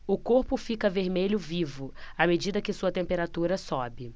o corpo fica vermelho vivo à medida que sua temperatura sobe